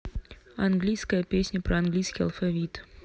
английская песня про английский алфавит